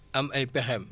am ay pexeem